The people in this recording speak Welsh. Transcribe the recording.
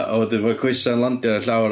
A wedyn ma'r coesa yn landio ar llawr.